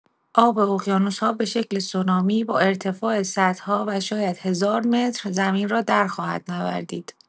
آب اقیانوس‌ها به شکل سونامی با ارتفاع صدها و شاید هزار متر، زمین را در خواهد نوردید.